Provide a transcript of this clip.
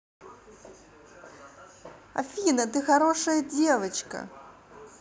афина ты хорошая девочка